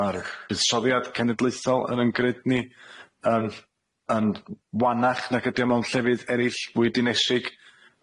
ma'r buddsoddiad cenedlaethol yn yn grid ni yn yn wanach nag ydi o mewn llefydd eryll fwy dinesig,